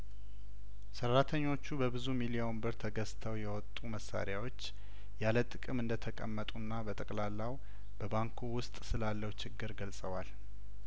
ሰራተኞቹ በብዙ ሚሊዮን ብር ተገዝተው የወጡ መሳሪያዎች ያለጥቅም እንደተቀመጡና በጠቅላላው በባንኩ ውስጥ ስላለው ችግር ገልጸዋል